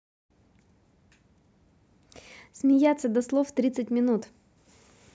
смеяться до слов тридцать минут